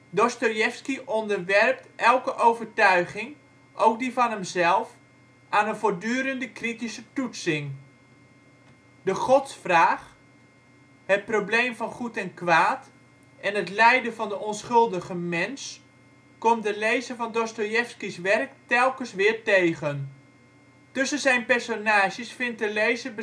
Dostojevski onderwerpt elke overtuiging, ook die van hemzelf, aan een voortdurende kritische toetsing. De Godsvraag, het probleem van goed en kwaad en het lijden van de onschuldige mens komt de lezer van Dostojevski 's werk telkens weer tegen. Tussen zijn personages vindt de lezer